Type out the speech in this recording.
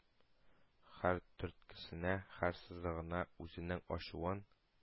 Һәр төрткесенә, һәр сызыгына үзенең ачуын,